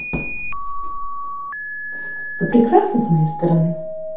вы прекрасны с моей стороны